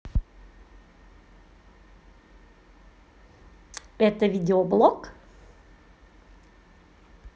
это видеоблог